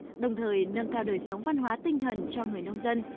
đồng thời nâng cao đời sống văn hóa tinh thần cho người nông dân